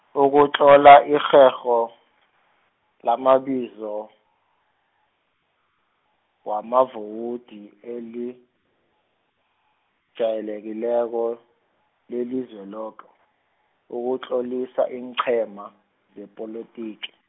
ukutlola irherho, lamabizo, wabavowudi elijayelekileko, leliZweloke, ukutlolisa iinqhema, zepolotiki.